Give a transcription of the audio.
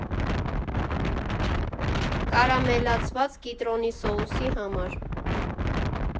Կարամելացված կիտրոնի սոուսի համար.